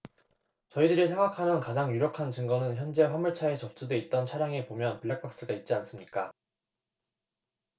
저희들이 생각하는 가장 유력한 증거는 현재 화물차에 접수돼 있던 차량에 보면 블랙박스가 있지 않습니까